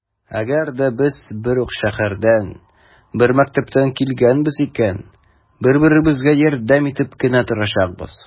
Әгәр дә без бер үк шәһәрдән, бер мәктәптән килгәнбез икән, бер-беребезгә ярдәм итеп кенә торачакбыз.